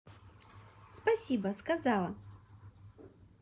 спасибо сказала